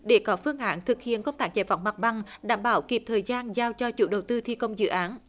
để có phương án thực hiện công tác giải phóng mặt bằng đảm bảo kịp thời gian giao cho chủ đầu tư thi công dự án